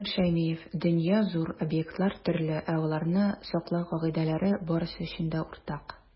Минтимер Шәймиев: "Дөнья - зур, объектлар - төрле, ә аларны саклау кагыйдәләре - барысы өчен дә уртак".